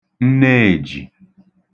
nneèjì